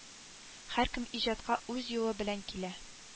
Һәркем иҗатка үз юлы белән килә